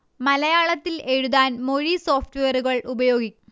മലയാളത്തിൽ എഴുതാൻ മൊഴി സോഫ്റ്റ്വെയറുകൾ ഉപയോഗിക്കാം